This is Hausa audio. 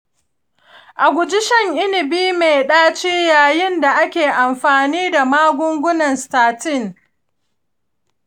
a guji shan inibi mai ɗaci yayin da ake amfani da magungunan statin.